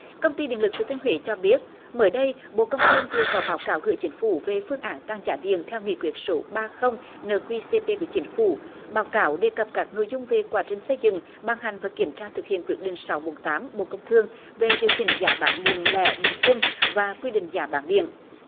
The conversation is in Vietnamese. công ty điện lực thừa thiên huế cho biết mới đây bộ công thương vừa có báo cáo gửi chính phủ về phương án tăng giá điện theo nghị quyết số ba không nờ quy xê pê của chính phủ báo cáo đề cập các nội dung về quá trình xây dựng ban hành và kiểm tra thực hiện quyết định sáu bốn tám bộ công thương về điều chỉnh giá bán điện lẻ bình quân và quy định giá bán điện